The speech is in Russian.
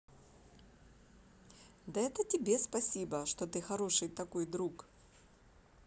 да это тебе спасибо что ты хороший такой друг